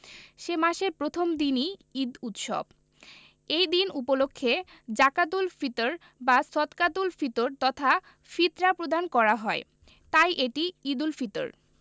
সে মাসের প্রথম দিনই ঈদ উৎসব এই দিন উপলক্ষে জাকাতুল ফিতর বা সদকাতুল ফিতর তথা ফিতরা প্রদান করা হয় তাই এটি ঈদুল ফিতর